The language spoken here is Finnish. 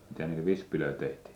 mitä niillä vispilöillä tehtiin